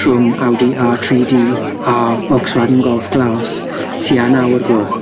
rhwng Audi a tri du a Volkswagen Golff glas tua naw o'r gloch